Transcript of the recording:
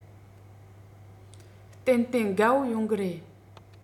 ཏན ཏན དགའ པོ ཡོང གི རེད